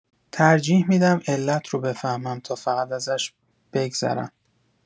ترجیح می‌دم علت رو بفهمم تا فقط ازش بگذرم